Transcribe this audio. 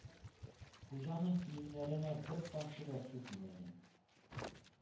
Хуҗаның киемнәренә бер тамчы да су тимәгән.